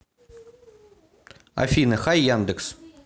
афина хай яндекс